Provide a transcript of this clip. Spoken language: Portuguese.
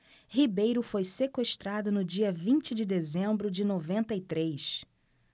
ribeiro foi sequestrado no dia vinte de dezembro de noventa e três